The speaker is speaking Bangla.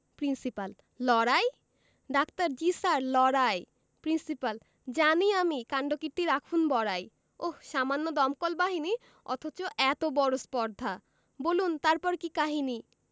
প্রিন্সিপাল লড়াই ডাক্তার জ্বী স্যার লড়াই প্রিন্সিপাল জানি আমি কাণ্ডকীর্তি রাখুন বড়াই ওহ্ সামান্য দমকল বাহিনী অথচ এত বড় স্পর্ধা বুলন তারপর কি কাহিনী